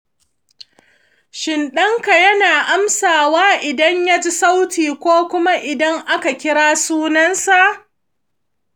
shin ɗanka yana amsawa idan ya ji sauti ko kuma idan aka kira sunansa?